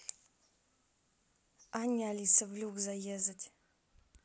анне алиса в люк заезать